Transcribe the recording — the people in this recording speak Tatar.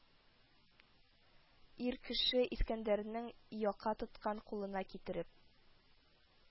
Ир кеше Искәндәрнең яка тоткан кулына китереп